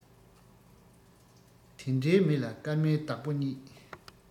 དེ འདྲས མི ལ སྐར མའི བདག པོ རྙེད